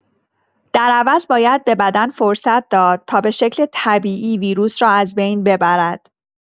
در عوض باید به بدن فرصت داد تا به شکل طبیعی ویروس را از بین ببرد.